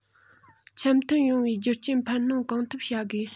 འཆམ མཐུན ཡོང བའི རྒྱུ རྐྱེན འཕར སྣོན གང ཐུབ བྱ དགོས